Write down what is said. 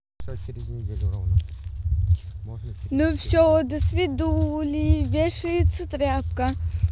ну все досвидули вешается тряпка